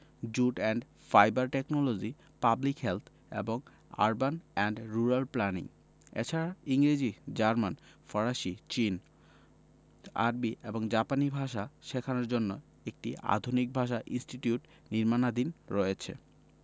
jute and fibre technology public health এবং urban and rural planning এছাড়া ইংরেজি German ফরাসি চীন আরবি ও জাপানি ভাষা শেখানোর জন্য একটি আধুনিক ভাষা ইনস্টিটিউট নির্মাণাধীন রয়েছে